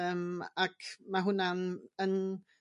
Yym ac ma' hwnna'n yn